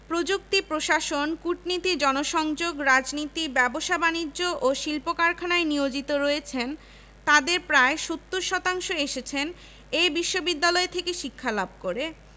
এ প্রতিষ্ঠানের শিক্ষা ও প্রশাসনিক ব্যবস্থা ১৯৭১ সালের মুক্তিযুদ্ধকালে অভাবনীয়রূপে ক্ষতিগ্রস্ত হয় তখন বেশ কিছু স্বনামধন্য শিক্ষক